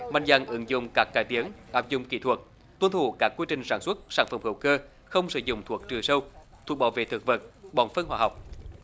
mạnh dạn ứng dụng các cải tiến áp dụng kỹ thuật tuân thủ các quy trình sản xuất sản phẩm hữu cơ không sử dụng thuốc trừ sâu thuốc bảo vệ thực vật bón phân hóa học